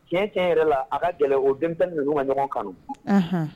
Tiɲɛ ni cɛn yɛrɛ la, a ka gɛlɛn o denmisɛn ninnu ka ɲɔgɔn kanu, anhan.